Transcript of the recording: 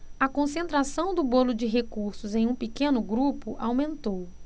a concentração do bolo de recursos em um pequeno grupo aumentou